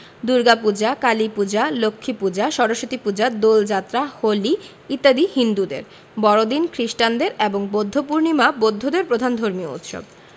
দুর্গাপূজা কালীপূজা লক্ষ্মীপূজা সরস্বতীপূজা দোলযাত্রা হোলি ইত্যাদি হিন্দুদের বড়দিন খ্রিস্টানদের এবং বৌদ্ধপূর্ণিমা বৌদ্ধদের প্রধান ধর্মীয় উৎসব